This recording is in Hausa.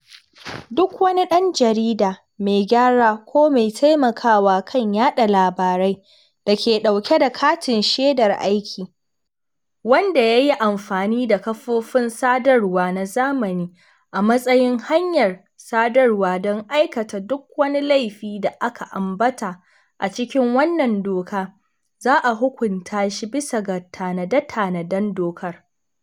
Duk wani ɗan jarida, mai gyara ko mai taimakawa kan yaɗa labarai dake ɗauke da katin shedar aiki, wanda ya yi amfani da kafofin sadarwa na zamani a matsayin hanyar sadarwa don aikata duk wani laifi da aka ambata a cikin wannan doka, za a hukunta shi bisa ga tanade-tanaden doka.